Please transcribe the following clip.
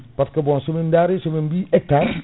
par ce que bon somin dari somin mbi hectare